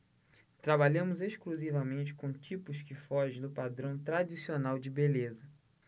trabalhamos exclusivamente com tipos que fogem do padrão tradicional de beleza